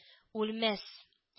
— үлмәс